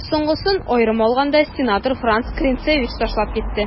Соңгысын, аерым алганда, сенатор Франц Клинцевич ташлап китте.